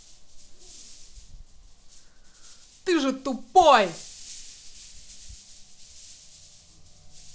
ты же тупой